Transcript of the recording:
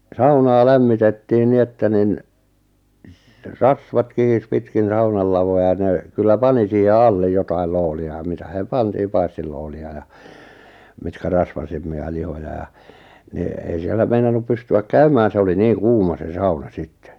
saunaa lämmitettiin niin että niin - rasvat kihisi pitkin saunan lavoja ja ne kyllä pani siihen alle jotakin lootia ja mitä siihen pantiin paistilootia ja mitkä rasvaisempia lihoja ja niin ei siellä meinannut pystyä käymään se oli niin kuuma se sauna sitten